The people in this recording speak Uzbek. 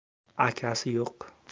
akasi yo'q